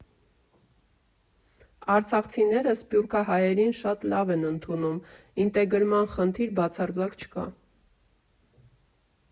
Արցախցիները սփյուռքահայերին շատ լավ են ընդունում, ինտեգրման խնդիր բացարձակ չկա։